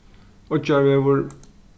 oyggjarvegur